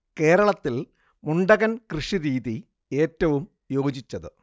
കേരളത്തിൽ മുണ്ടകൻ കൃഷി രീതി ഏറ്റവും യോജിച്ചത്